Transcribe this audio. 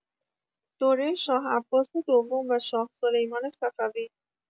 دوره شاه‌عباس دوم و شاه سلیمان صفوی